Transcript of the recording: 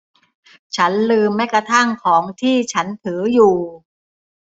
ฉันลืมแม้กระทั่งของที่ฉันถืออยู่